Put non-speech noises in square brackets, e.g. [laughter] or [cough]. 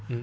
[hesitation] [hesitation]